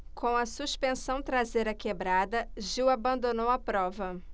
com a suspensão traseira quebrada gil abandonou a prova